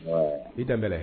Bi da bɛ